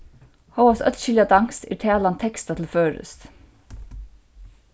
hóast øll skilja danskt er talan tekstað til føroyskt